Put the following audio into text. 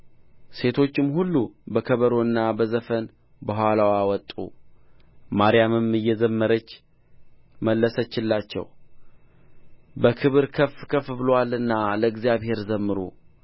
ሴቶችም ሁሉ በከበሮና በዘፈን በኋላዋ ወጡ ማርያምም እየዘመረች መለሰችላቸው በክብር ከፍ ከፍ ብሎአልና ለእግዚአብሔር ዘምሩ